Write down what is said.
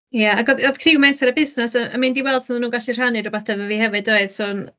ia ac oedd oedd criw Menter a Busnes yn yn mynd i weld os oedden nhw'n gallu rhannu rhywbeth efo fi hefyd doedd so...